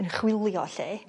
yn chwilio 'lly